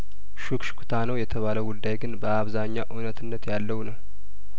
ሹክሹክታ ነው የተባለው ጉዳይግን በአብዛኛው እውነትነት ያለው ነው